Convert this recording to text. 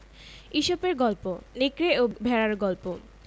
ইসপের গল্প নেকড়ে ও ভেড়ার গল্প